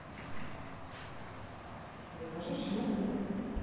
закажи шлюху